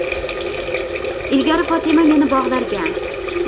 ilgari fotima meni bog'larga